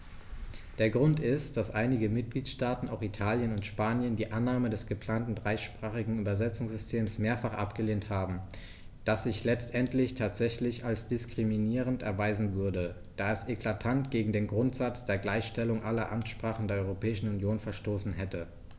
Der Grund ist, dass einige Mitgliedstaaten - auch Italien und Spanien - die Annahme des geplanten dreisprachigen Übersetzungssystems mehrfach abgelehnt haben, das sich letztendlich tatsächlich als diskriminierend erweisen würde, da es eklatant gegen den Grundsatz der Gleichstellung aller Amtssprachen der Europäischen Union verstoßen hätte.